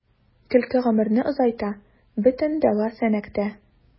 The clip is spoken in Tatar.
Көлке гомерне озайта — бөтен дәва “Сәнәк”тә.